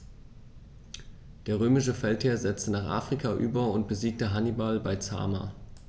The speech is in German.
Der römische Feldherr setzte nach Afrika über und besiegte Hannibal bei Zama.